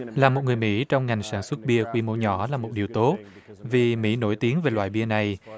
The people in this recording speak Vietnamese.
là một người mỹ trong ngành sản xuất bia quy mô nhỏ là một điều tốt vì mỹ nổi tiếng về loại bia này